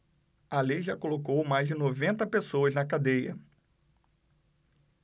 a lei já colocou mais de noventa pessoas na cadeia